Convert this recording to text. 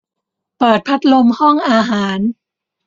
เปิดพัดลมห้องอาหาร